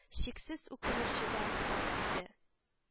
Чиксез үкенече дә бар иде